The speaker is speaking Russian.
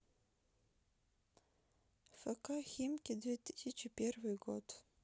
фк химки две тысячи первый год